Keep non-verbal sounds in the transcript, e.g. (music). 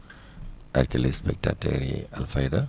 (breath) ak téléspectateur yi Alfayda